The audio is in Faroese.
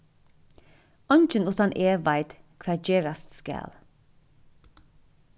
eingin uttan eg veit hvat gerast skal